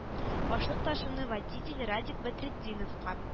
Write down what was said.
Ашлык ташуны водитель Радик Бәдретдиновка